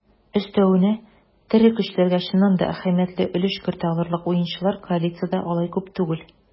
Өстәвенә, тере көчләргә чыннан да әһәмиятле өлеш кертә алырлык уенчылар коалициядә алай күп түгел.